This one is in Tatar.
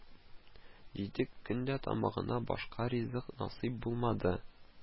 Җиде көндә тамагына башка ризык насыйп булмады